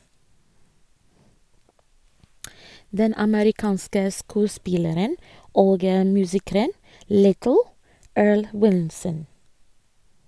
Den amerikanske skuespilleren og musikeren "Little" Earl Wilson.